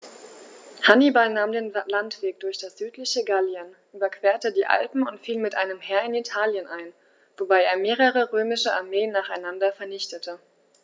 Hannibal nahm den Landweg durch das südliche Gallien, überquerte die Alpen und fiel mit einem Heer in Italien ein, wobei er mehrere römische Armeen nacheinander vernichtete.